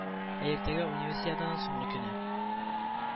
Ә иртәгә Универсиаданың соңгы көне